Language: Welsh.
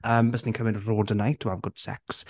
Yym, byswn i'n cymryd rhodonite, to have good sex.